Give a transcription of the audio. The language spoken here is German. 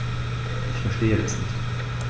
Ich verstehe das nicht.